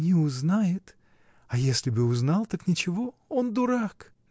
— Не узнает, а если б и узнал — так ничего. Он дурак!